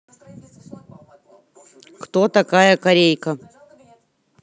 кто такая корейка